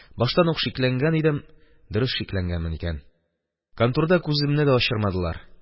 Баштан ук шикләнгән идем, дөрес шикләнгән икәнмен, конторда күземне дә ачырмадылар.